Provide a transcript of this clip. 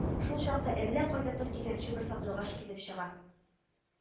Шул чакта әллә кайдандыр икенче бер сандугаш килеп чыга